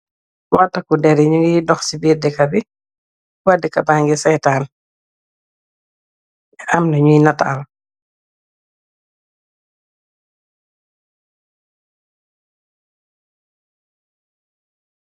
Wa taka dèrr ya ngi dox ci birr dekka bi, wa dekka ba ngeh sèètan am na ñi nital.